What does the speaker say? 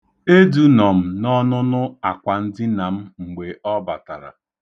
Edunọ m n'ọnụnụ akwandina m mgbe ọ batara.